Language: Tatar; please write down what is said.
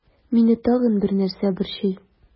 Мине тагын бер нәрсә борчый.